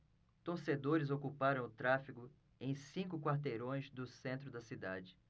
torcedores ocuparam o tráfego em cinco quarteirões do centro da cidade